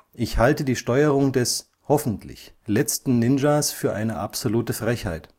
Ich halte die Steuerung des (hoffentlich) letzten Ninjas für eine absolute Frechheit